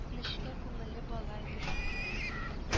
Нечкә күңелле бала иде шул ул